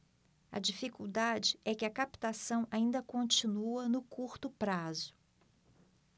a dificuldade é que a captação ainda continua no curto prazo